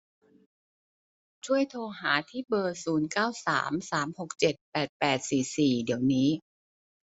ช่วยโทรหาที่เบอร์ศูนย์เก้าสามสามหกเจ็ดแปดแปดสี่สี่เดี๋ยวนี้